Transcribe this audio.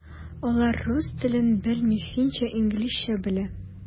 Алар рус телен белми, финча, инглизчә белә.